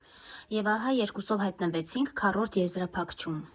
Եվ ահա երկուսով հայտնվեցինք քառորդ եզրափակչում։